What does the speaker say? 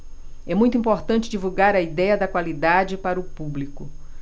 é muito importante divulgar a idéia da qualidade para o público